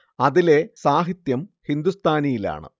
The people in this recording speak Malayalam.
അതിലെ സാഹിത്യം ഹിന്ദുസ്ഥാനിയിലാണ്